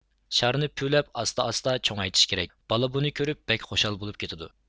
شارنى پۈۋلەپ ئاستا ئاستا چوڭايتىش كېرەك بالا بۇنى كۆرۈپ بەك خۇشال بولۇپ كېتىدۇ